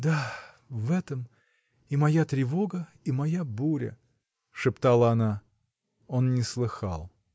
— Да. в этом — и моя тревога, и моя буря!. — шептала она. Он не слыхал.